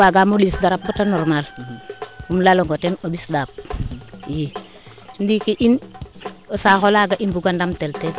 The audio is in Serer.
waagamo ɗiis darap bata normale im lalong o ten o mbis ɗaap i ndiiki in o saaxo laaga i mbuga ndam tel teen